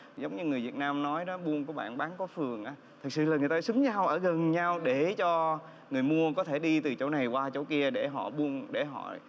giống như người việt nam nói đó buôn có bạn bán có phường á thực sự là người ta xúm nhau ở gần nhau để cho người mua có thể đi từ chỗ này qua chỗ kia để họ buôn để họ